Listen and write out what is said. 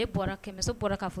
E bɔra kɛ muso bɔra ka fɔ